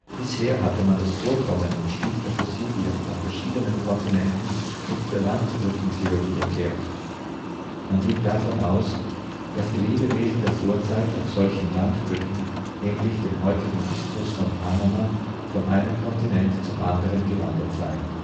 Bisher hatte man das Vorkommen bestimmter Fossilien auf verschiedenen Kontinenten mit der Landbrückentheorie erklärt. Man ging davon aus, dass die Lebewesen der Vorzeit auf solchen Landbrücken, ähnlich dem heutigen Isthmus von Panama, von einem Kontinent zum anderen gewandert seien